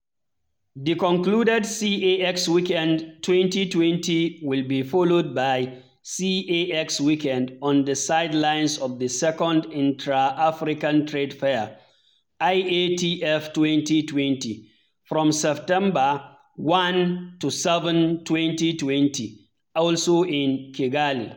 The concluded CAX Weekend 2020 will be followed by CAX Week on the sidelines of the second Intra-African Trade Fair (IATF2020) from September 1-7, 2020, also in Kigali.